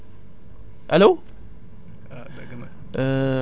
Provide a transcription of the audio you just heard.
mu ngi lay dégg allo